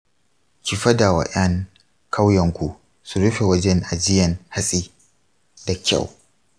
ki fadawa yan kauyenku su rufe wajen ajiyan hatsi da kyau.